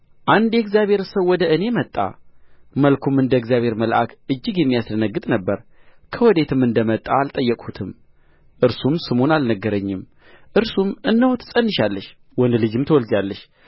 አንድ የእግዚአብሔር ሰው ወደ እኔ መጣ መልኩም እንደ እግዚአብሔር መልአክ እጅግ የሚያስደነግጥ ነበረ ከወዴትም እንደ መጣ አልጠየቅሁትም እርሱም ስሙን አልነገረኝም እርሱም እነሆ ትፀንሻለሽ ወንድ ልጅም ትወልጃለሽ